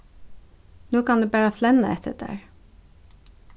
nú kann eg bara flenna eftir tær